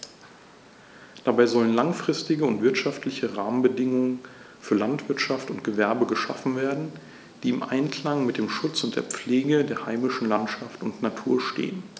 Dabei sollen langfristige und wirtschaftliche Rahmenbedingungen für Landwirtschaft und Gewerbe geschaffen werden, die im Einklang mit dem Schutz und der Pflege der heimischen Landschaft und Natur stehen.